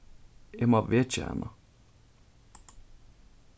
eg má vekja hana